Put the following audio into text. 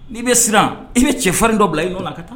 N'i bɛ siran i bɛ cɛfarin dɔ bila i ɲɔgɔn